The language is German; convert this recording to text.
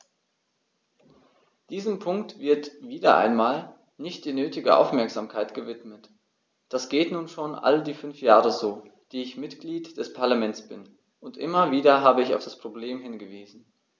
Diesem Punkt wird - wieder einmal - nicht die nötige Aufmerksamkeit gewidmet: Das geht nun schon all die fünf Jahre so, die ich Mitglied des Parlaments bin, und immer wieder habe ich auf das Problem hingewiesen.